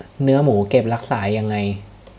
เนื้อหมูเก็บรักษายังไง